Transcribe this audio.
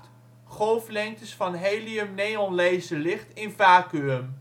golflengtes van helium-neonlaserlicht in vacuüm